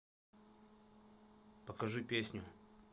покажи песню